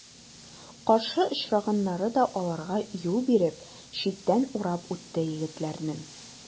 Каршы очраганнары да аларга юл биреп, читтән урап үтте егетләрнең.